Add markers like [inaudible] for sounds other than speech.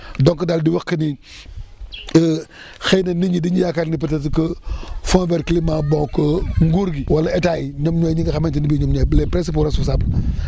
donc daal di wax que ni [hesitation] xëy na nit ñi dañuy yaakaar ni peut être que [breath] fond vers climat bon que nguur gi wala état yi ñoom ñooy ñi nga xamante ne bii ñoom ñooy les principaux responsables [noise] [breath]